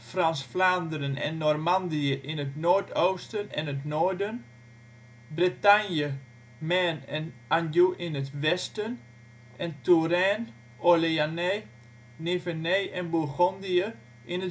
Frans Vlaanderen en Normandië in het noordoosten en het noorden; Bretagne, Maine en Anjou in het westen; en Touraine, Orléanais, Nivernais en Bourgondië in